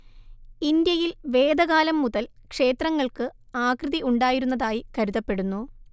ഇന്ത്യയിൽ വേദകാലം മുതൽ ക്ഷേത്രങ്ങൾക്ക് ആകൃതി ഉണ്ടായിരുന്നതായി കരുതപ്പെടുന്നു